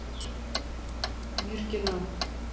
мир кино